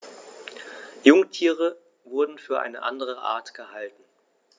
Jungtiere wurden für eine andere Art gehalten.